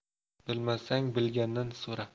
bilmasang bilgandan so'ra